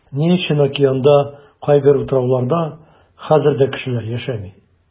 Ни өчен океанда кайбер утрауларда хәзер дә кешеләр яшәми?